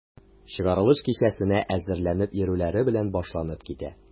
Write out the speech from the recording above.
Чыгарылыш кичәсенә әзерләнеп йөрүләре белән башланып китә.